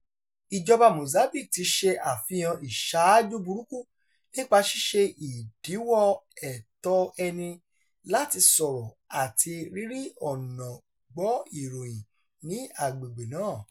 Ìjọba Mozambique ti ń ṣe àfihàn ìṣáájú burúkú nípa ṣíṣe ìdíwọ́ ẹ̀tọ́ ẹni láti sọ̀rọ̀ àti rírí ọ̀nà gbọ́ ìròyìn ní agbègbè náà.